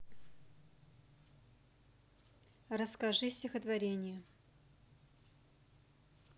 расскажи стихотворение